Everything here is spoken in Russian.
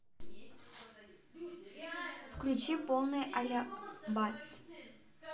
включи полный альбац